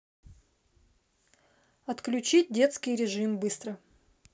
отключить детский режим быстро